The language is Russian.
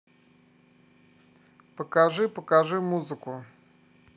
покажи покажи музыку